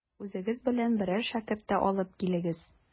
Үзегез белән берәр шәкерт тә алып килегез.